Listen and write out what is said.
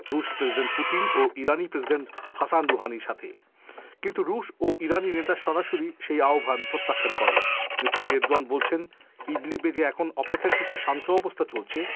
রুশ president Putin ও ইরানি প্রেসিডেন্ট হাসান রুহানীর সাথে কিন্তু রুশো ইরানি নেতা আহ্বান প্রত্যাখ্যান করেন মিস্টার এরদোয়ান বলছেন ইদলিবে এখন যে অপেক্ষাকৃত শান্ত অবস্থা চলছে